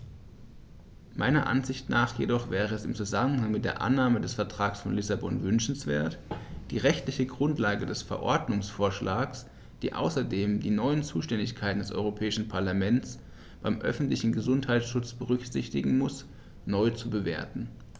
Meiner Ansicht nach jedoch wäre es im Zusammenhang mit der Annahme des Vertrags von Lissabon wünschenswert, die rechtliche Grundlage des Verordnungsvorschlags, die außerdem die neuen Zuständigkeiten des Europäischen Parlaments beim öffentlichen Gesundheitsschutz berücksichtigen muss, neu zu bewerten.